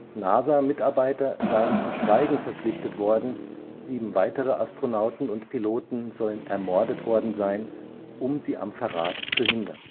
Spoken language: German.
NASA-Mitarbeiter seien zum Schweigen verpflichtet worden, sieben weitere Astronauten und Piloten sollen ermordet worden sein, um sie am Verrat zu hindern